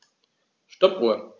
Stoppuhr.